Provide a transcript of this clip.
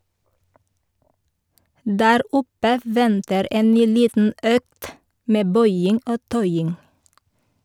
Der oppe venter en ny liten økt med bøying og tøying.